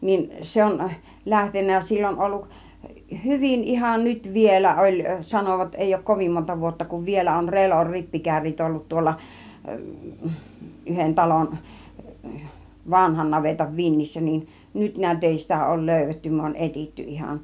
niin se on lähtenyt sillä on ollut hyvin ihan nyt vielä oli sanovat ei ole kovin monta vuotta kun vielä on Relon rippikärryt ollut tuolla yhden talon vanhan navetan vintissä niin nyt näet ei sitä ole löydetty me on etsitty ihan